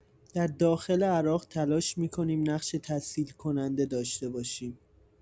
در داخل عراق تلاش می‌کنیم نقش تسهیل‌کننده داشته باشیم.